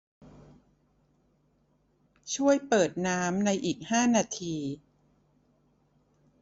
ช่วยเปิดน้ำในอีกห้านาที